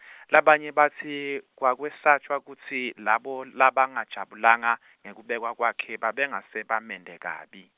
labanye batsi, kwakwesatjwa kutsi, labo, labangajabulanga, ngekubekwa kwakhe, babengase bamente kabi.